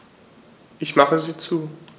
Ich mache sie zu.